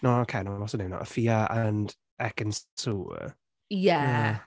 No, not Ikenna, what’s her name now, Afia and Ekin-Su... Ie.